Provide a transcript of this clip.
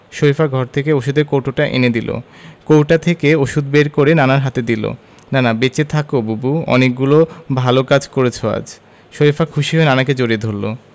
শরিফা ঘর থেকে ঔষধের কৌটোটা এনে দিল কৌটা থেকে ঔষধ বের করে নানার হাতে দিল নানা বেঁচে থাকো বুবু অনেকগুলো ভালো কাজ করেছ আজ শরিফা খুশি হয়ে নানাকে জড়িয়ে ধরল